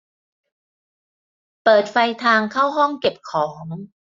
เปิดไฟทางเข้าห้องเก็บของ